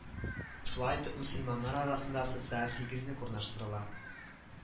Шулай итеп мөселманнар арасында социаль тигезлек урнаштырыла